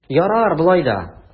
Ярар болай да!